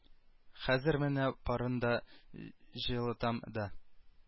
Хәзер менә барын да җылытам да